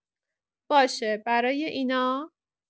باشه برای اینا؟